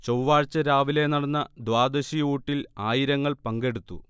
ചൊവ്വാഴ്ച രാവിലെ നടന്ന ദ്വാദശിഊട്ടിൽ ആയിരങ്ങൾ പങ്കെടുത്തു